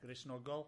Gristnogol?